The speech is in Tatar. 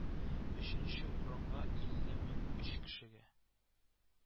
Өченче урынга илле мең өч кешегә